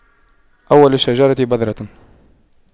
أول الشجرة بذرة